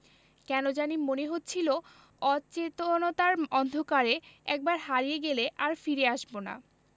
কেন জানি মনে হচ্ছিলো অচেতনতার অন্ধকারে একবার হারিয়ে গেলে আর ফিরে আসবো না